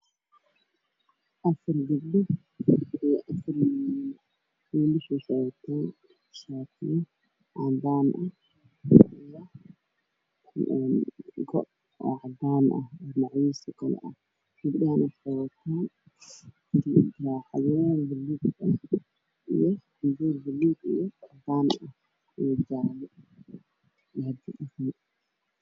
Afar gabar iobafar wiil wiilasha waxay qaban shaati cadaan ah io go, cadaan ah gabdhaha waxay wataan xijaab baluug ah io cadaan